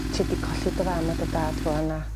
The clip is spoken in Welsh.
ti 'di colli dy fam a dy dad ŵan a